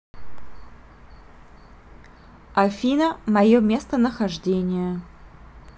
афина мое местонахождение